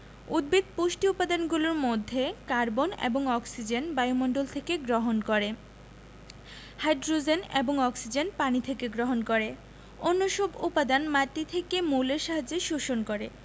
উদ্ভিদ পুষ্টি উপাদানগুলোর মধ্যে কার্বন এবং অক্সিজেন বায়ুমণ্ডল থেকে গ্রহণ করে হাই্ড্রোজেন এবং অক্সিজেন পানি থেকে গ্রহণ করে অন্যসব উপাদান মাটি থেকে মূলের সাহায্যে শোষণ করে